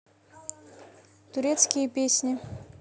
турецкие песни